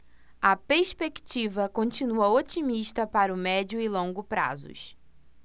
a perspectiva continua otimista para o médio e longo prazos